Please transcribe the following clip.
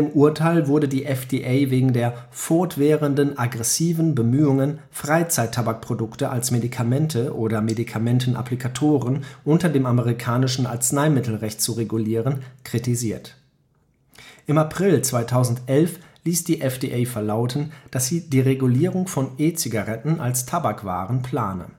Urteil wurde die FDA wegen der „ fortwährenden, aggressiven Bemühungen, Freizeit-Tabakprodukte als Medikamente oder Medikamentenapplikatoren unter dem amerikanischen Arzneimittelrecht zu regulieren “, kritisiert. Im April 2011 ließ die FDA verlauten, dass sie die Regulierung von E-Zigaretten als Tabakwaren plane